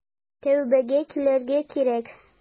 Тәүбәгә килергә кирәк.